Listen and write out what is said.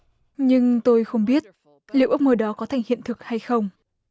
nhưng tôi không biết liệu ước mơ đó có thành hiện thực hay không